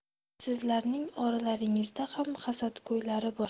sizlarning oralaringizda ham hasadgo'ylar bor